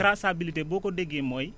traçabilité boo ko déggee mooy